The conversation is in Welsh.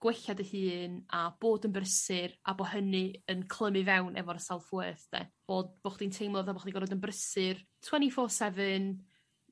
gwella dy hun a bod yn brysur a bo' hynny yn clymu fewn efo'r self worth 'de bob bo' chdi'n teimlo fel bo' chi gor' fod yn brysur twenty four seven